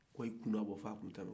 ka taa i kun labɔ fɔ kuncɛ la